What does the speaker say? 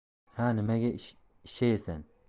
ha nimaga ishshayasan